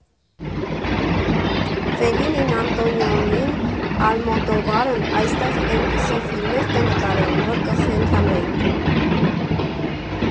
Ֆելինին, Անտոնիոնին, Ալմոդովարն այստեղ էնպիսի ֆիլմեր կնկարեին, որ կխենթանայինք։